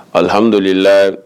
Alihamdulilila